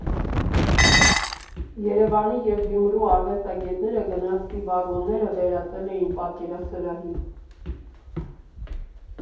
Երևանի և Գյումրու արվեստագետները գնացքի վագոնները վերածել էին պատկերասրահի։